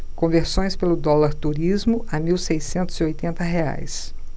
conversões pelo dólar turismo a mil seiscentos e oitenta reais